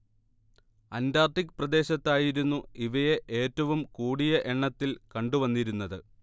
Antarctic പ്രദേശത്തായിരുന്നു ഇവയെ ഏറ്റവും കൂടിയ എണ്ണത്തിൽ കണ്ടു വന്നിരുന്നത്